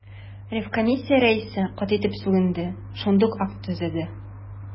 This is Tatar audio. Ревкомиссия рәисе каты итеп сүгенде, шундук акт төзеде.